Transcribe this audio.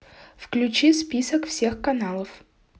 включи список всех каналов